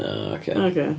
O oce.